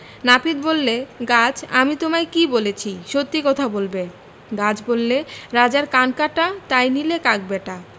নাপিত বললে গাছ আমি তোমায় কী বলেছি সত্য কথা বলবে গাছ বললে ‘রাজার কান কাটা তাই নিলে কাক ব্যাটা